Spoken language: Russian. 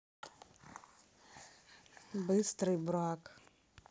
быстрый брак